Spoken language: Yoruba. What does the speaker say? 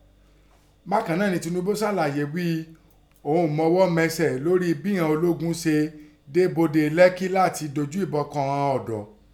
Bákàn náà ni Tínubú sàlàyé ghí i òun ùn mọghọ́ mẹsẹ̀ lórí bí ìghọn ológun se dé bodè Lẹ́kí láti dojú ìbọn kọ ìghọn ọ̀dọ́.